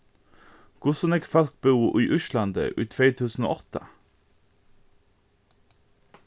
hvussu nógv fólk búðu í íslandi í tvey túsund og átta